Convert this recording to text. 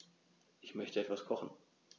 Ich möchte etwas kochen.